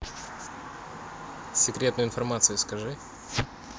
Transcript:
секретную информацию скажи